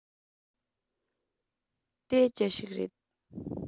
དེ ཅི ཞིག རེད